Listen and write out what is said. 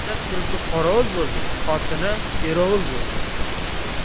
rajab tulki qorovul bo'ldi xotini erovul bo'ldi